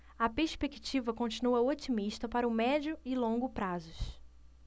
a perspectiva continua otimista para o médio e longo prazos